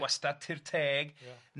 'gwastatir teg